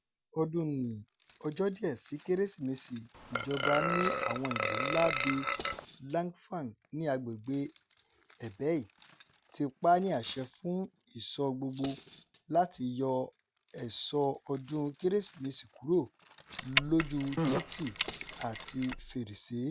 Ọdún nìín, ọjọ́ díẹ̀ sí Kérésìmesì, ìjọba ní àwọn ìlú ńlá bíi Langfang, ní agbègbèe Hebei, ti pa á ní àṣẹ fún ìsọ̀ gbogbo láti yọ ẹ̀ṣọ́ ọdún Kérésìmesì kúrò lójú títí àti fèrèsé.